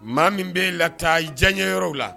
Maa min bɛ la taa diyaɲɛ yɔrɔ la